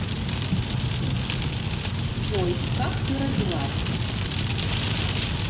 джой как ты родилась